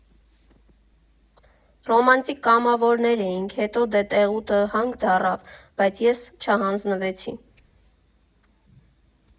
Ռոմանտիկ կամավորներ էինք, հետո դե Թեղուտը հանք դառավ, բայց ես չհանձնվեցի։